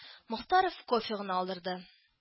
Мохтаров кофе гына алдырды